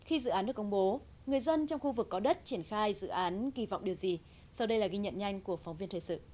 khi dự án được công bố người dân trong khu vực có đất triển khai dự án kỳ vọng điều gì sau đây là ghi nhận nhanh của phóng viên thời sự